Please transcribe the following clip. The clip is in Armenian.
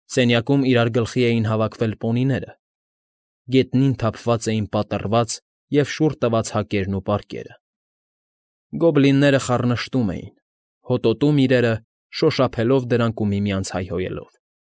Սենյակում իրար գլխի էին հավաքվել պոնիները, գետնին թափված էին պատռված և շուռ տված հակերն ու պարկերը, գոբլինները խառնշտում էին, հոտոտում իրերը՝ շոշափելով դրանք ու միմյանց հայհոյելով։